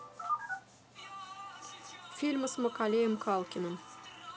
фильмы с маколеем калкиным